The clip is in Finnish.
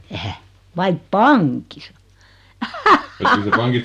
eihän vai pankissa